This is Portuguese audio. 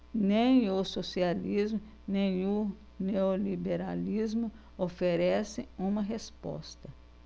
nem o socialismo nem o neoliberalismo oferecem uma resposta